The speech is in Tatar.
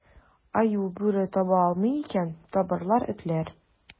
Аю, бүре таба алмый икән, табарлар этләр.